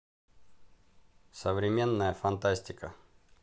современная фантастика